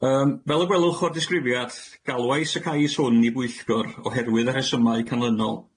Yym, fel y gwelwch o'r disgrifiad, galwais y cais hwn i bwyllgor oherwydd y rhesymau canlynol.